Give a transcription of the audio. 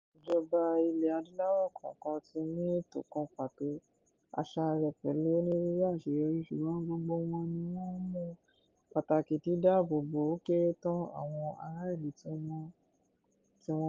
Ìjọba ilẹ̀ Adúláwò kọ̀ọ̀kan ti mú ètò kan pàtó fún àṣà rẹ̀, pẹ̀lú onírúurú àṣeyọrí, ṣùgbọ́n gbogbo wọn ni wọ́n mọ pàtàkì dídáábòbò ó kéré tán àwọn ará ìlú tí wọ́n lẹ.